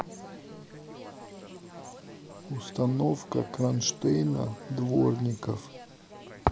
установка кронштейна дворников